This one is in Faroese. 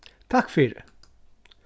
takk fyri